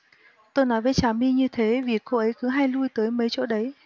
tôi nói với trà my như thế vì cô ấy cứ hay lui tới mấy chỗ đấy